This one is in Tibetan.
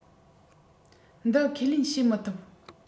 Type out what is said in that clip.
འདི ཁས ལེན བྱེད མི ཐུབ